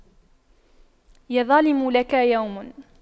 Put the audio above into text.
يا ظالم لك يوم